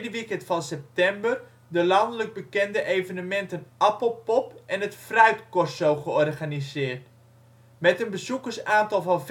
weekend van september de landelijk bekende evenementen Appelpop en het Fruitcorso georganiseerd. Met een bezoekersaantal van